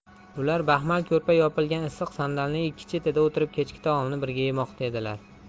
ular baxmal ko'rpa yopilgan issiq sandalning ikki chetida o'tirib kechki taomni birga yemoqda edilar